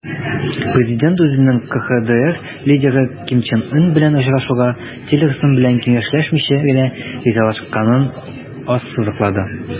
Президент үзенең КХДР лидеры Ким Чен Ын белән очрашуга Тиллерсон белән киңәшләшмичә генә ризалашканын ассызыклады.